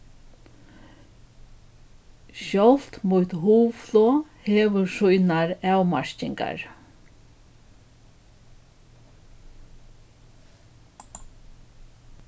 sjálvt mítt hugflog hevur sínar avmarkingar